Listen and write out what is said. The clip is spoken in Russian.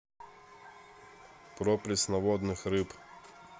про пресноводных рыб